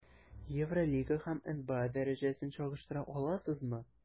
Евролига һәм НБА дәрәҗәсен чагыштыра аласызмы?